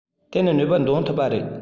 དེ ནི ནུས པ འདོན ཐུབ པ རེད